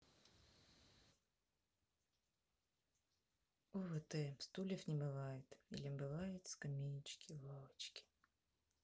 ovt стульев не бывает или бывает скамеечки лавочки